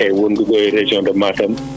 eeyi wonnduɓe e région de Matam